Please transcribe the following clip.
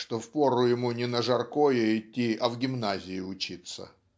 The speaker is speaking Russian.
что впору ему не на жаркое идти а в гимназии учиться".